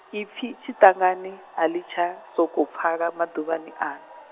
ipfi tshiṱangani, a ḽi tsha, sokou pfala maḓuvhani ano.